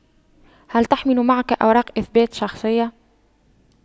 هل تحمل معك أوراق اثبات شخصية